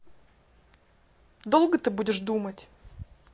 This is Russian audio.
долго ты будешь думать